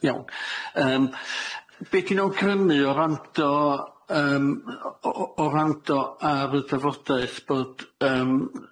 Iawn. Yym, be' dwi'n awgrymu o rando yym- o- o o rando ar y drafodaeth bod yym-